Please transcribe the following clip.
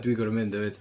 Dwi'n gorod mynd hefyd.